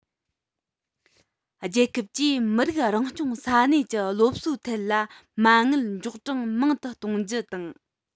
རྒྱལ ཁབ ཀྱིས མི རིགས རང སྐྱོང ས གནས ཀྱི སློབ གསོའི ཐད ལ མ དངུལ འཇོག གྲངས མང དུ གཏོང རྒྱུ དང